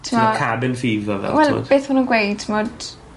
t'mo'... Ti 'da cabin fever fel t'mod? Wel beth ma' nw'n gweud t'mod?